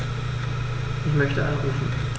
Ich möchte anrufen.